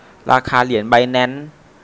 ราคาเหรียญไบแนนซ์